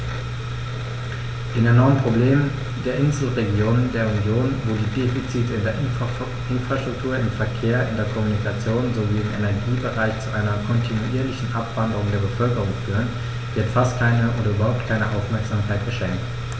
Den enormen Problemen der Inselregionen der Union, wo die Defizite in der Infrastruktur, im Verkehr, in der Kommunikation sowie im Energiebereich zu einer kontinuierlichen Abwanderung der Bevölkerung führen, wird fast keine oder überhaupt keine Aufmerksamkeit geschenkt.